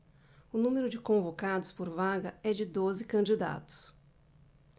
o número de convocados por vaga é de doze candidatos